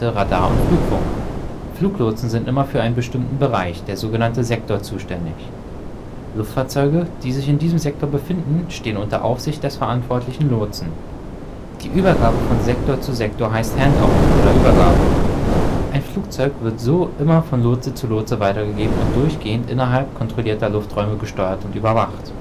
Radar und Flugfunk. Fluglotsen sind immer nur für einen bestimmten Bereich (Sektor) zuständig. Luftfahrzeuge, die sich in diesem Sektor befinden, stehen unter Aufsicht des verantwortlichen Lotsen. Die Übergabe von Sektor zu Sektor heißt handoff oder „ Übergabe “. Ein Flugzeug wird so immer von Lotse zu Lotse weitergegeben und durchgehend innerhalb der kontrollierten Lufträume gesteuert und überwacht